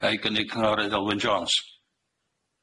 Ga'i gynnig cynghorydd Elwyn Jones?